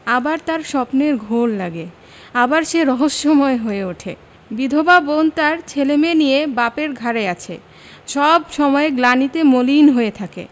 আবার তার স্বপ্নের ঘোর লাগে আবার সে রহস্যময় হয়ে উঠে বিধবা বোন তার ছেলেমেয়ে নিয়ে বাপের ঘাড়ে আছে সব সময় গ্লানিতে মলিন হয়ে থাকে